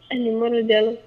A ni morida